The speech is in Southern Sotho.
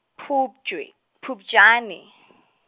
Phupjwe-, Phupjane.